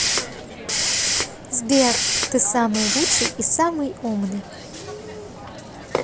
сбер ты самый лучший и самый умный